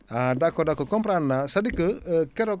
ah d' accord d' accord comprendre naa c' est à dire que